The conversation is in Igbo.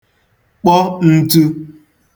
kpọ n̄tū